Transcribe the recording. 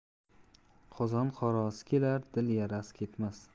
qozon qorasi ketar dil yarasi ketmas